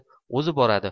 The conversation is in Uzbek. o'zi boradi